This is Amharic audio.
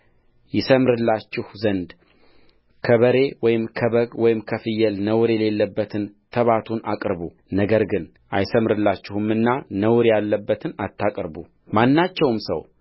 ይሠምርላችሁ ዘንድ ከበሬ ወይም ከበግ ወይም ከፍየል ነውር የሌለበትን ተባቱን አቅርቡነገር ግን አይሠምርላችሁምና ነውር ያለበትን አታቅርቡማናቸውም ሰው